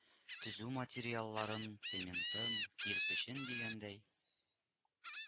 Төзү материалларын, цементын, кирпечен дигәндәй